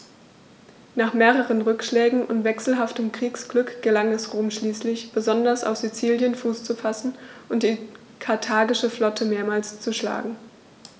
Nach mehreren Rückschlägen und wechselhaftem Kriegsglück gelang es Rom schließlich, besonders auf Sizilien Fuß zu fassen und die karthagische Flotte mehrmals zu schlagen.